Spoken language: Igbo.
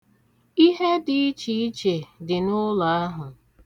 Ihe dị ichiiche dị n'ụlọ ahụ.